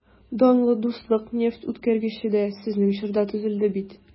Данлы «Дуслык» нефтьүткәргече дә сезнең чорда төзелде бит...